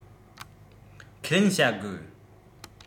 ཁས ལེན བྱ དགོས